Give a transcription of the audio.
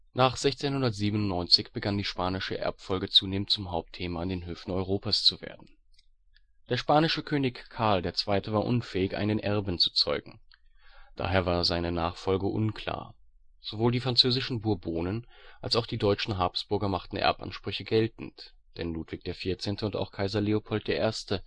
Nach 1697 begann die spanische Erbfolge zunehmend zum Hauptthema an den Höfen Europas zu werden. Der spanische König Karl II. war unfähig, einen Erben zu zeugen. Daher war seine Nachfolge unklar. Sowohl die französischen Bourbonen, als auch die deutschen Habsburger machten Erbansprüche geltend. Denn Ludwig XIV. und auch Kaiser Leopold I.